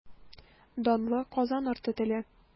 Данлы Казан арты теле.